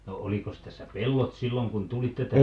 no olikos tässä pellot silloin kun tulitte -